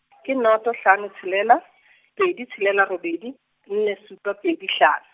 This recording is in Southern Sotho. ke noto hlano tshelela, pedi tshelela robedi, nne supa pedi hlano.